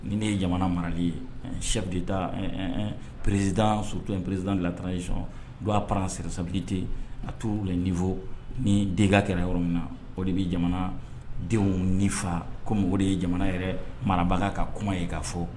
Ni ne ye jamana marali ye sɛ de taa pererisid suto pererisid latara sɔn don pase sabite a t'u la nin fɔ ni denkɛ kɛra yɔrɔ min na o de bɛ jamana denw nifa kɔmi mɔgɔ de ye jamana yɛrɛ marabaga ka kuma ye k kaa fɔ